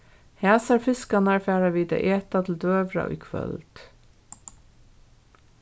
hasar fiskarnar fara vit at eta til døgurða í kvøld